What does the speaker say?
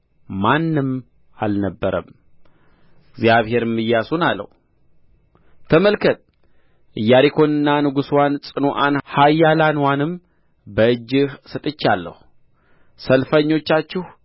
ማንም አልነበረም እግዚአብሔርም ኢያሱን አለው ተመልከት ኢያሪኮንና ንጉሥዋን ጽኑዓን ኃያላንዋንም በእጅህ ሰጥቼአለሁ ሰልፈኞቻችሁ